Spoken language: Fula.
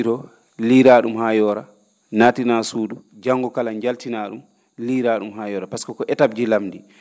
?um ha yooraa nattinaa suudu janngo kala njaltinaa ?um liiraa ?um haa yoora pasque étape ji lamndii